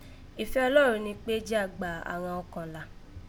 Ìfẹ́ Ọlọ́run ni kpé jí a gbà àghan ọkàn là.